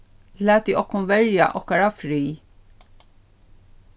latið okkum verja okkara frið